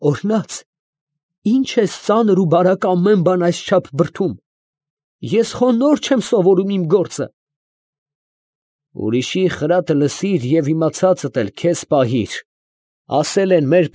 Օրհնած, ի՞նչ ես ծանր ու բարակ ամեն բան այսչափ բրդում. ես խո նոր չեմ սովորում իմ գործը։ ֊ «Ուրիշի խրատը լսիր, և իմացածդ էլ քեզ պահի՛ր»,֊ասել են մեր։